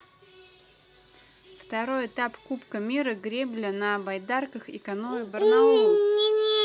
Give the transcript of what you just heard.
второй этап кубка мира гребля на байдарках и каноэ барнаул